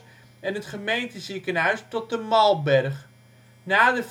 Gemeenteziekenhuis tot De Malberg. Na